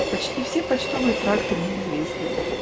почти все почтовые тракты мне известны